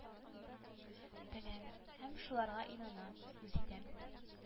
Беләм һәм шуларга инанам үз итәм